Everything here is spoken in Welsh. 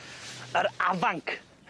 Yr afanc.